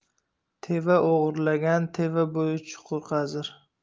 teva o'g'irlagan teva bo'yi chuqur qazir